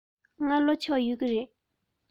ང ལོ ཆེ བ ཡོད ཀྱི རེད